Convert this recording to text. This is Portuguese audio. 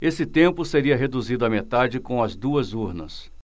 esse tempo seria reduzido à metade com as duas urnas